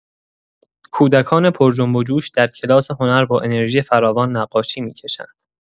کودکان پرجنب‌وجوش در کلاس هنر با انرژی فراوان نقاشی می‌کشند.